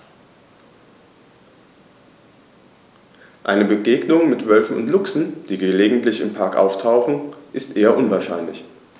Eine Begegnung mit Wölfen oder Luchsen, die gelegentlich im Park auftauchen, ist eher unwahrscheinlich.